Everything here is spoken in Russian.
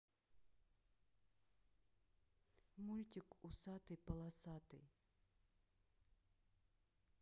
мультик усатый полосатый